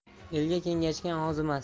elga kengashgan ozimas